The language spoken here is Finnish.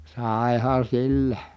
saihan sillä